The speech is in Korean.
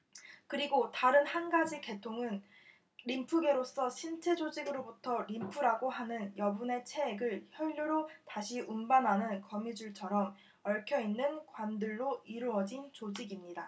그리고 다른 한 가지 계통은 림프계로서 신체 조직으로부터 림프라고 하는 여분의 체액을 혈류로 다시 운반하는 거미줄처럼 얽혀 있는 관들로 이루어진 조직입니다